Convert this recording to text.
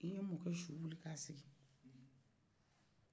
ni ye mɔkɛ suwili ka sigi